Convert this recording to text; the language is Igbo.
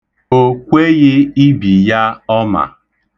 O kweghị ibi ya ọma.